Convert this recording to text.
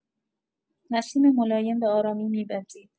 نسیم ملایم به‌آرامی می‌وزید.